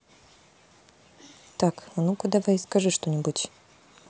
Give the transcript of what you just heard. так а ну ка давай скажи что нибудь